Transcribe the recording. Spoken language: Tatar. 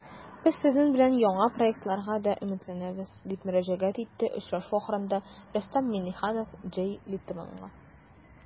Без сезнең белән яңа проектларга да өметләнәбез, - дип мөрәҗәгать итте очрашу ахырында Рөстәм Миңнеханов Джей Литманга.